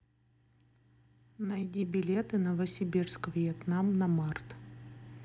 найди билеты новосибирск вьетнам на март